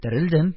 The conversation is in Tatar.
Терелдем.